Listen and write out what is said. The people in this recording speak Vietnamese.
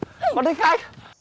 có thích khách